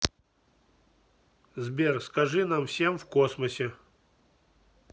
сбер скажи нам всем в космосе